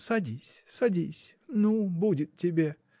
Садись, садись — ну, будет тебе!